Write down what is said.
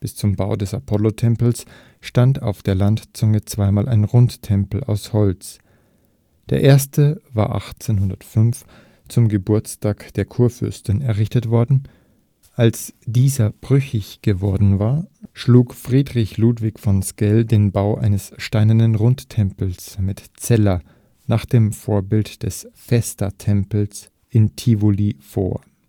zum Bau des Apollotempels stand auf der Landzunge zweimal ein Rundtempel aus Holz. Der erste war 1805 zum Geburtstag der Kurfürstin errichtet worden. Als dieser brüchig geworden war, schlug Friedrich Ludwig von Sckell den Bau eines steinernen Rundtempels mit Cella nach dem Vorbild des Vestatempels in Tivoli vor